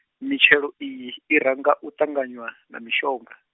mitshelo iyi, i ranga u ṱanganywa, na mishonga.